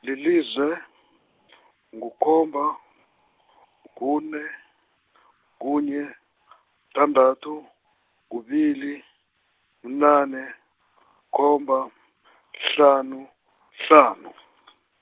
lilize , ngu khomba, k- kune, kunye , kuthandathu, kubili, kunane, khomba , -thlanu, -thlanu .